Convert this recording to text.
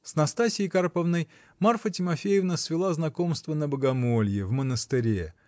С Настасьей Карповной Марфа Тимофеевна свела знакомство на богомолье, в монастыре